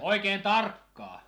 oikein tarkkaan